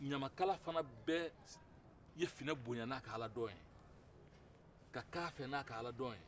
ɲamakala fɛne bɛ finɛ bonyan n'a ka aladɔn ye ka k'a fɛ n'a ka aladɔn ye